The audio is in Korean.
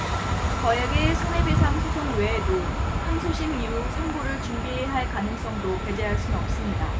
거액의 손해배상 소송 외에도 항소심 이후 상고를 준비해야 할 가능성도 배제할 순 없습니다